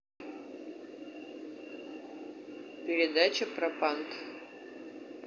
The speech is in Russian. передача про панд